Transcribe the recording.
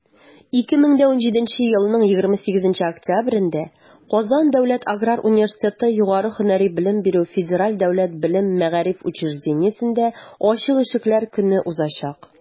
2017 елның 28 октябрендә «казан дәүләт аграр университеты» югары һөнәри белем бирү фдбмусендә ачык ишекләр көне узачак.